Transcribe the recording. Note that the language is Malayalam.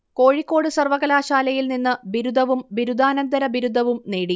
കോഴിക്കോട് സർവകലാശായിൽ നിന്ന് ബിരുദവും ബിരുദാനന്തര ബിരുദവും നേടി